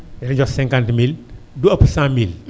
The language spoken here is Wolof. dañu lay jox 50000 du ëpp 100000